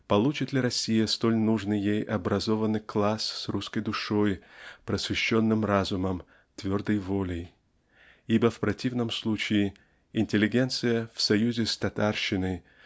получит ли Россия столь нужный ей образованный класс с русской душой просвещенным разумом твердой волею ибо в противном случае интеллигенция в союзе с татарщиной